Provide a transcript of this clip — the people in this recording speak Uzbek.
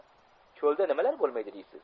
cho'lda nimalar bo'lmaydi deysiz